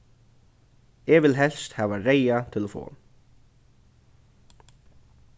eg vil helst hava reyða telefon